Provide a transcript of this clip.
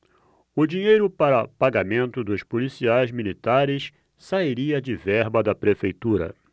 o dinheiro para pagamento dos policiais militares sairia de verba da prefeitura